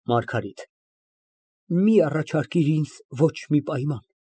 ՄԱՐԳԱՐԻՏ ֊ Մի առաջարկիր ինձ ոչ մի պայման։